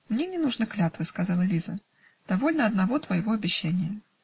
"Мне не нужно клятвы, -- сказала Лиза, -- довольно одного твоего обещания".